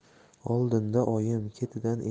oldinda oyim ketidan